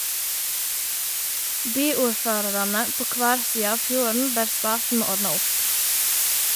Byordførarane på kvar side av fjorden ber staten ordna opp.